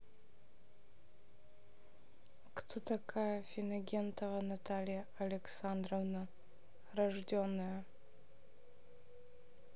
кто такая финагентова наталья александровна рожденная